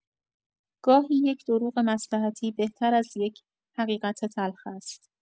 گاهی یک دروغ مصلحتی بهتر از یک حقیقت تلخ است.